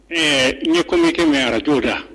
Ɛɛ ne ko kɛ mɛn araj cogo da